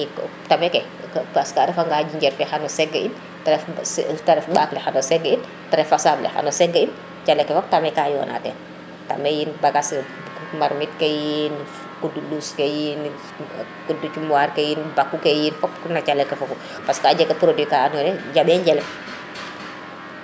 i tame ke parce a refa na jinjeer fe xano segg in te ref mbaak le xano segg in te ref fasaɓ le xano segg in calel ke fop tame ka yona teen tame yin bagage ke marmite ke yiin kudu luuus ke yiin kudu cum waar ke yiin baku ke yiin fop no calel ke fogu parce a jega produit ka ando naye njaɓe njelem